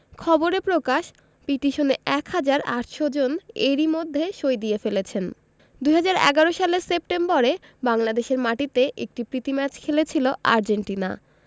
খবরে প্রকাশ পিটিশনে ১ হাজার ৮০০ জন এরই মধ্যে সই দিয়ে ফেলেছেন ২০১১ সালের সেপ্টেম্বরে বাংলাদেশের মাটিতে একটি প্রীতি ম্যাচ খেলেছিল আর্জেন্টিনা